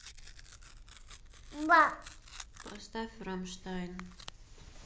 поставь рамштайн